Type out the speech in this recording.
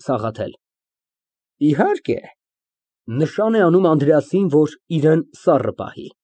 ՍԱՂԱԹԵԼ ֊ Իհարկե։ (Նշան է անում Անդրեասին, որ իրան սառն պահի)։